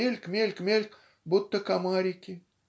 мельк, мельк, мельк, будто комарики"?